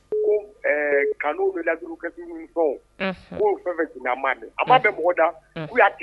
Uru a b'a bɛ mɔgɔ da